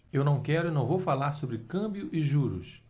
eu não quero e não vou falar sobre câmbio e juros